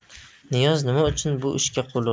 niyoz nima uchun bu ishga qo'l urdi